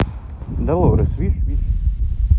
долорес вишь виш